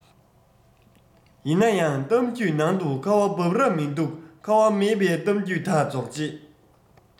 ཡིན ན ཡང གཏམ རྒྱུད ནང དུ ཁ བ འབབ རབས མི འདུག ཁ བ མེད པའི གཏམ རྒྱུད དག རྗོགས རྗེས